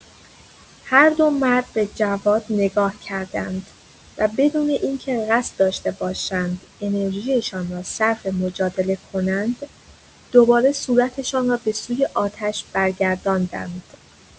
هر دو مرد به جواد نگاه کردند و بدون این‌که قصد داشته باشند انرژی‌شان را صرف مجادله کنند، دوباره صورتشان را به‌سوی آتش برگرداندند.